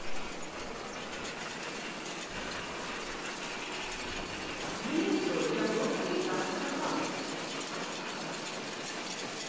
извини джой я просто не так сказала